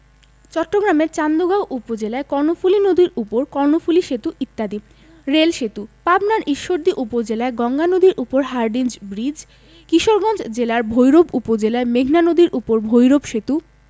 চট্টগ্রামের চান্দগাঁও উপজেলায় কর্ণফুলি নদীর উপর কর্ণফুলি সেতু ইত্যাদি রেল সেতুঃ পাবনার ঈশ্বরদী উপজেলায় গঙ্গা নদীর উপর হার্ডিঞ্জ ব্রিজ কিশোরগঞ্জ জেলার ভৈরব উপজেলায় মেঘনা নদীর উপর ভৈরব সেতু